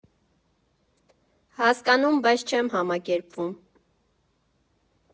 Հասկանում, բայց չեմ համակերպվում։